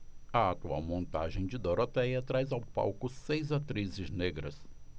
a atual montagem de dorotéia traz ao palco seis atrizes negras